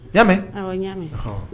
Y'a mɛ awɔ ɲamɛ ɔnhɔn